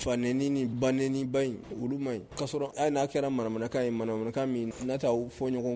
Fai ni bainba in olu ma ɲi in kaasɔrɔ a n'a kɛra marakan in maramanakan min na taa fɔ ɲɔgɔn